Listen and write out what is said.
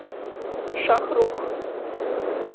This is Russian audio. шахрух